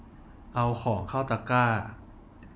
เอาของเข้าตะกร้า